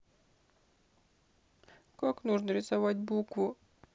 как нужно рисовать букву